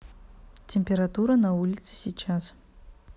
температура на улице сейчас